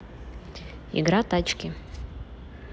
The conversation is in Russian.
игра тачки